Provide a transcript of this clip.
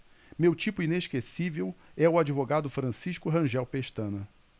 meu tipo inesquecível é o advogado francisco rangel pestana